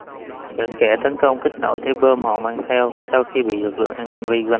những kẻ tấn công kích nổ trái bom họ mang theo sau khi bị lực lượng an ninh vây quanh